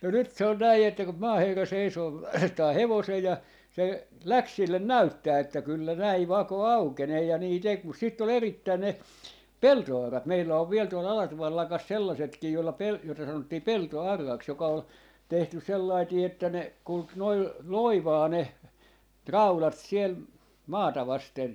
no nyt se oli näin että kun maaherra seisoo vaihtaa hevosen ja se lähti sille näyttämään että kyllä näin vako aukenee ja niin teki mutta sitten oli erittäin ne peltoaurat meillä on vielä tuolla Alatuvan lakassa sellaisetkin jolla - joita sanottiin peltoauraksi joka oli tehty sellainen että ne kulki noin loivaan ne raudat siellä maata vasten